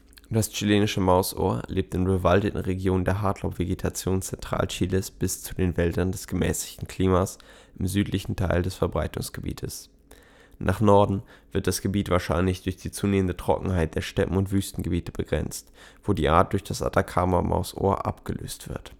Chilenische Mausohr lebt in bewaldeten Regionen der Hartlaubvegetation Zentralchiles bis zu den Wäldern des gemäßigten Klimas im südlichen Teil des Verbreitungsgebietes. Nach Norden wird das Gebiet wahrscheinlich durch die zunehmende Trockenheit der Steppen - und Wüstengebiete begrenzt, wo die Art durch das Atacama-Mausohr abgelöst wird